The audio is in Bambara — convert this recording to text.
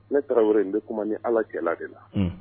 Ne tarawele wɛrɛ in bɛ kuma ni ala cɛla de la